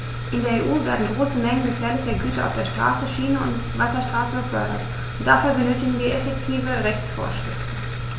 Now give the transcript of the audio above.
In der EU werden große Mengen gefährlicher Güter auf der Straße, Schiene und Wasserstraße befördert, und dafür benötigen wir effektive Rechtsvorschriften.